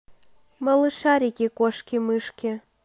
малышарики кошки мышки